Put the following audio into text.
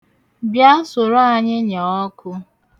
Bịa soro anyị nyaa ọkụ.